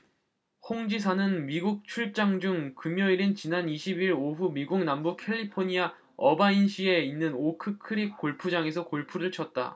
홍 지사는 미국 출장 중 금요일인 지난 이십 일 오후 미국 남부 캘리포니아 어바인시에 있는 오크 크릭 골프장에서 골프를 쳤다